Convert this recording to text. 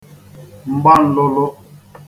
m̀gbanlụ̄lụ̄